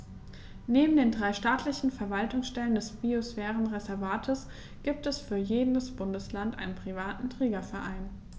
Neben den drei staatlichen Verwaltungsstellen des Biosphärenreservates gibt es für jedes Bundesland einen privaten Trägerverein.